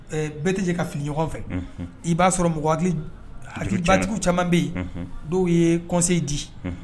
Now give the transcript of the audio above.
Bɛɛ tɛ ka fili ɲɔgɔn fɛ i b'a sɔrɔ mɔgɔ ali cajugu caman bɛ yen dɔw ye kɔse di